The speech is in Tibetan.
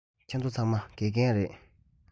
ཁྱེད ཚོ ཚང མ དགེ རྒན རེད